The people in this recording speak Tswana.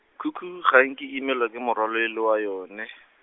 khukhu ga e nke e imelwa ke morwalo e le wa yone.